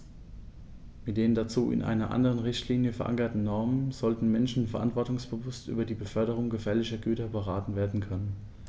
Mit den dazu in einer anderen Richtlinie, verankerten Normen sollten Menschen verantwortungsbewusst über die Beförderung gefährlicher Güter beraten werden können.